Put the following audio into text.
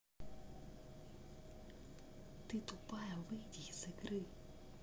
ты тупая выйди из игры